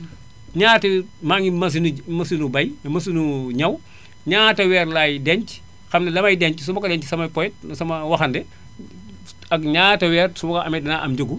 ñaata maa ngeeg machine machine nu bay machine nu ñaw ñaata weer laay denc xam ne la may denc su ma ko dencee samay poyet sama waxande ak ñaata weer su ma ko amee dinaa am njëgu